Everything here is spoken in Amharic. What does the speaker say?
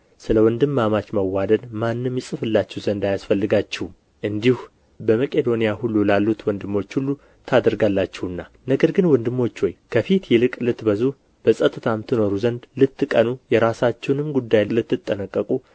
ስለ ወንድማማች መዋደድ ማንም ይጽፍላችሁ ዘንድ አያስፈልጋችሁም እንዲሁ በመቄዶንያ ሁሉ ላሉት ወንድሞች ሁሉ ታደርጋላችሁና ነገር ግን ወንድሞች ሆይ ከፊት ይልቅ ልትበዙ በጸጥታም ትኖሩ ዘንድ ልትቀኑ የራሳችሁንም ጉዳይ ልትጠነቀቁ